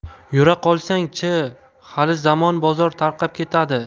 yura qolsang chi hali zamon bozor tarqab ketadi